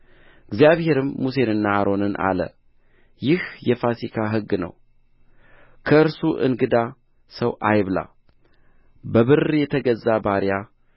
እግዚአብሔርም ሙሴንና አሮንን አለ ይህ የፋሲካ ሕግ ነው ከእርሱ እንግዳ ሰው አይብላ በብር የተገዛ ባሪያ